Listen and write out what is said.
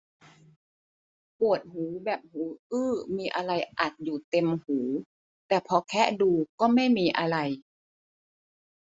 ปวดหูแบบหูอื้อมีอะไรอัดอยู่เต็มหูแต่พอแคะดูก็ไม่มีอะไร